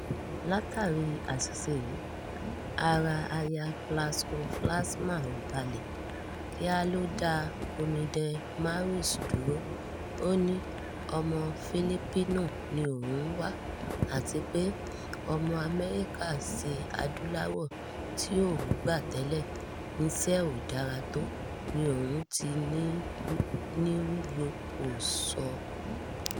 Látàrí àṣìṣe yìí, ara Aya Plasco-Flaxman “‘ò balẹ̀”. Kíá ló dá Omidan Maurice dúró. Ó ní ọmọ Filipino ni òun ń wá. Àtipé, ọmọ Amẹríkà-ṣe-Adúláwò tí òún gba tẹ́lẹ̀, iṣẹ́ ẹ̀ ‘ò dára tó ni ohun tí New York Post sọ.